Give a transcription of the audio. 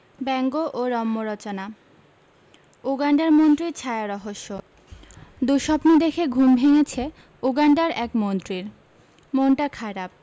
ব্যঙ্গ ও রম্যরচনা উগান্ডার মন্ত্রীর ছায়ারহস্য দুঃস্বপ্ন দেখে ঘুম ভেঙেছে উগান্ডার এক মন্ত্রীর মনটা খারাপ